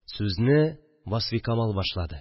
Сүзне Васфикамал башлады